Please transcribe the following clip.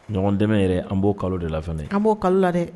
Ɲɔgɔn dɛmɛn yɛrɛ an b'o kalo de la, an b'o kalo de la dɛ.